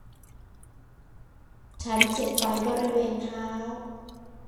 ฉันเจ็บไฝบริเวณเท้า